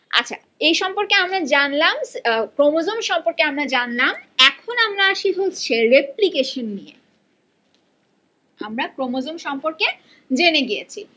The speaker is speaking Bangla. আচ্ছা এ সম্পর্কে আমরা জানলাম ক্রোমোজোম সম্পর্কে আমরা জানলাম এখন আমরা আসি হচ্ছে রেপ্লিকেশন নিয়ে আমরা ক্রোমোজোম সম্পর্কে জেনে গিয়েছি